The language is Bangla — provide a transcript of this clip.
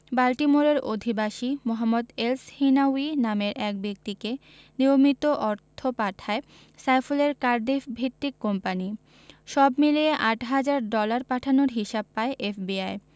বাল্টিমোরের অধিবাসী মোহাম্মদ এলসহিনাউয়ি নামের এক ব্যক্তিকে নিয়মিত অর্থ পাঠায় সাইফুলের কার্ডিফভিত্তিক কোম্পানি সব মিলিয়ে আট হাজার ডলার পাঠানোর হিসাব পায় এফবিআই